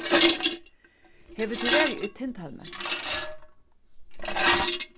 hevur tú verið í tindhólmi